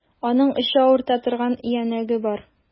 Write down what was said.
Аның эче авырта торган өянәге бар.